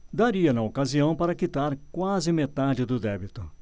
daria na ocasião para quitar quase metade do débito